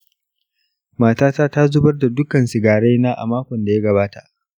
matata ta zubar da dukkan sigaraina a makon da ya gabata.